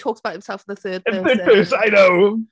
Talks about himself in the third person.... In third person I know!